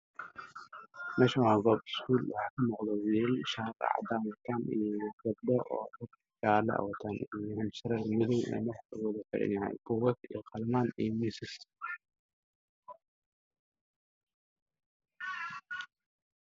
Meeshan waa iskool waxaa jira gabdhaha uu yeel waxay wataan dhar cadaan ah cashar ayey qorayaan